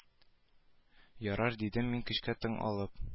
Ярар дидем мин көчкә тын алып